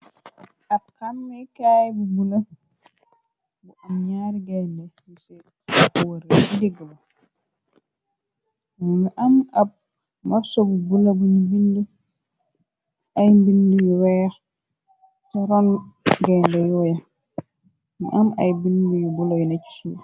Ab xamme kaay bu bula, bu am ñaari gayne yu seewërre digg ba. Munga am ab marso bu bula buñu bind ay mbind yu weex ci ron gaynde yooya, mu am ay bind yu bula yu ne ci suuf.